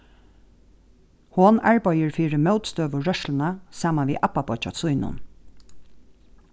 hon arbeiðir fyri mótstøðurørsluna saman við abbabeiggja sínum